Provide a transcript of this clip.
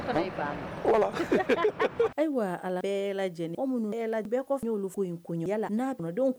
Ayiwa ala lajɛlen minnu bɛɛ olu fo in ko yalalaa